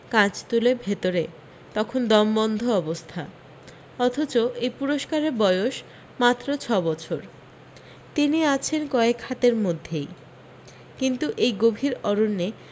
কাঁচ তুলে ভেতরে তখন দম বন্ধ অবস্থা অথচ এই পুরস্কারের বয়স মাত্র ছবছর তিনি আছেন কয়েক হাতের মধ্যেই কিন্তু এই গভীর অরণ্যে